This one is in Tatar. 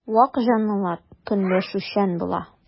Вак җанлылар көнләшүчән була.